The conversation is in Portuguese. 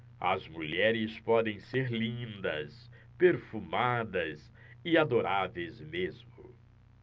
as mulheres podem ser lindas perfumadas e adoráveis mesmo